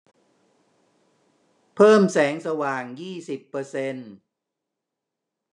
เพิ่มแสงสว่างยี่สิบเปอร์เซ็น